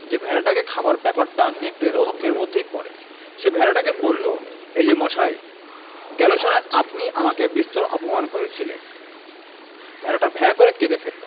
যে ভেড়াটাকে খাওয়ার ব্যাপারটা নেকড়ের হক এর মধ্যেই পড়ে সে ভেড়াটাকে বলল এই যে মশাই গেল সনে আপনি আমাকে বিস্তর অপমান করেছিলেন ভেড়াটা ভ্যাঁ করে কেঁদে ফেলল